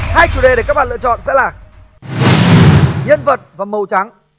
hai chủ đề để các bạn lựa chọn sẽ là nhân vật và màu trắng